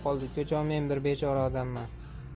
qoldi ukajon men bir bechora odamman